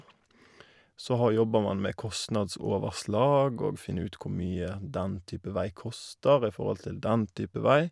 Så har jobber man med kostnadsoverslag og finne ut hvor mye den type vei koster i forhold til den type vei.